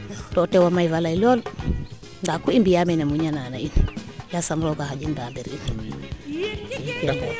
to o tew a may faley lool ndaa ku i mbiya meene a muña naan a in yasam rooga xanjin mbamir in